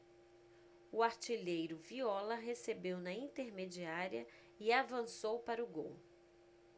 o artilheiro viola recebeu na intermediária e avançou para o gol